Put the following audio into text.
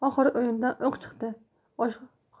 oxiri o'yindan o'q chiqdi